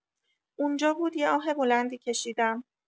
اونجا بود یه آه بلندی کشیدم